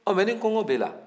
ɔ mais ni kɔngɔ b'e la